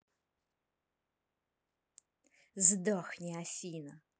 сдохни афина